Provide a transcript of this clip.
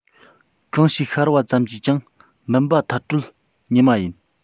གང ཞིག ཤར བ ཙམ གྱིས ཀྱང མུན པ མཐར སྐྲོད ཉི མ ཡིན